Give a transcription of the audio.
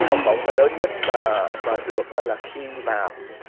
học bổng và lớn nhất mà mà được là khi vào